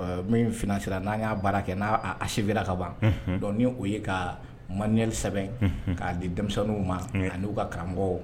Min fsira n'a y'a baara kɛ n'a asivra ka ban dɔn ni o ye ka manyali sɛbɛn k'a di denmisɛnninw ma n'u ka karamɔgɔ